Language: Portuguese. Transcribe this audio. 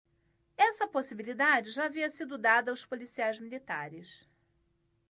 essa possibilidade já havia sido dada aos policiais militares